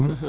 %um